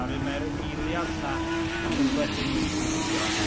A wedyn mae'r eiliad 'na pan 'sa na rhywbeth ddim wedi gweithio.